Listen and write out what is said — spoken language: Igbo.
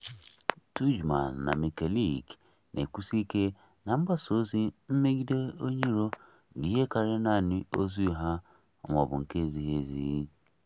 Tudjman na Mikelic na-ekwusi ike na mgbasa ozi mmegide onye iro bụ ihe karịrị nanị ozi ugha ma ọ bụ nke na-ezighị ezi.